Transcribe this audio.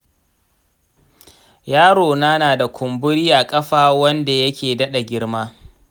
yarona na da kumburi a kafa wanda yake daɗa girma.